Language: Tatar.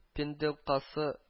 Пенделкасы